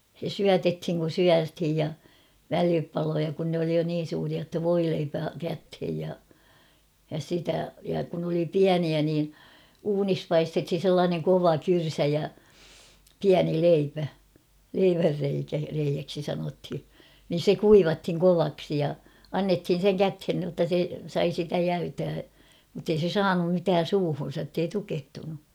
se syötettiin kun syötiin ja välipaloja kun ne oli jo niin suuria jotta voileipä käteen ja ja sitä ja kun oli pieniä niin uunissa paistettiin sellainen kova kyrsä ja pieni leipä leivänreikä reiäksi sanottiin niin se kuivattiin kovaksi ja annettiin sen käteen jotta se sai sitä jäytää mutta ei se saanut mitään suuhunsa että ei tukehtunut